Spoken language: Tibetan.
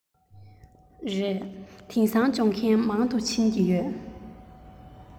རེད དེང སང སྦྱོང མཁན མང དུ ཕྱིན ཡོད རེད